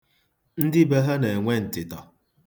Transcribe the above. Ndị be ha na-enwe ntịtọ.